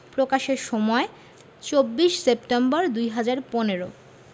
প্রকাশের সময় ২৪ সেপ্টেম্বর ২০১৫